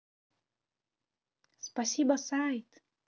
спасибо сайт